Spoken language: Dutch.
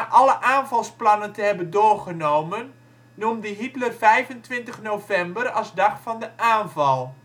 alle aanvalsplannen te hebben doorgenomen, noemde Hitler 25 november als dag van de aanval